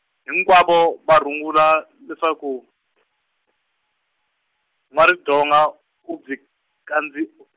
hinkwavo va rungula leswaku, N'wa-Ridonga u byi kandz- .